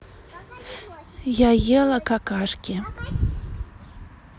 я ела какашки